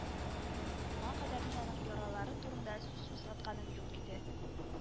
Моңа кадәр мин аның яралары турында сүз кузгатканым юк иде